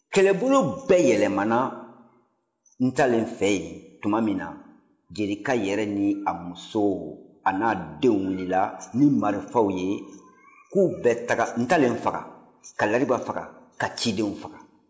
kɛlɛbolo bɛɛ yɛlɛmana ntalen fɛ yen tuma min na jerika yɛrɛ ni a muso a n'a denw wulila ni marifaw ye k'u bɛ taga ntalen faga ka lariba faga ka cidenw faga